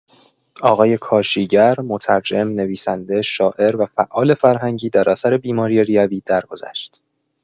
آقای کاشیگر، مترجم، نویسنده، شاعر و فعال فرهنگی در اثر بیماری ریوی درگذشت.